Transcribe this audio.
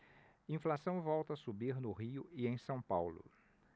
inflação volta a subir no rio e em são paulo